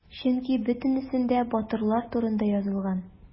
Чөнки бөтенесендә батырлар турында язылган.